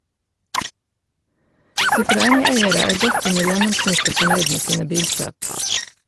Citroën-eiere er godt under gjennomsnittet fornøyd med sine bilkjøp.